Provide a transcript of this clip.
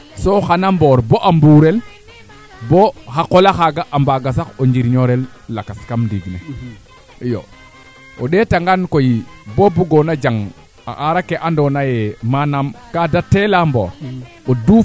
waaw goore waay anda ga'aano maac daanaka xoxataan mene a maada jega koy yaa rokoona kamo jegole le Niakhar a maada jegaa a maada xooxel a maada faaxa yit bo sax bo xaye